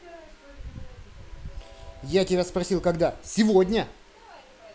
я тебя спросил когда сегодня